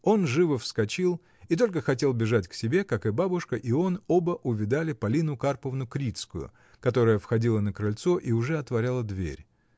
Он живо вскочил и только хотел бежать к себе, как и бабушка, и он, оба увидали Полину Карповну Крицкую, которая входила на крыльцо и уже отворяла дверь.